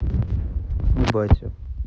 песни батя